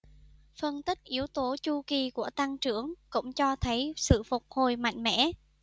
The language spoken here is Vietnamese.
phân tích yếu tố chu kỳ của tăng trưởng cũng cho thấy sự phục hồi mạnh mẽ